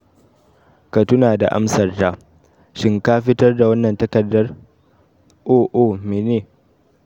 Ka tuna da amsarta ... shin ka fitar da wannan takardar - "oh, oh, mene?